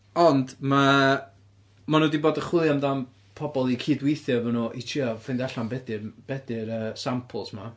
Ond ma' ma' nhw 'di bod yn chwilio amdan pobol i cydweithio efo nhw i trio ffeindio allan be 'di'r be 'di'r samples 'ma.